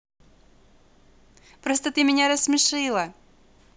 просто ты меня рассмешила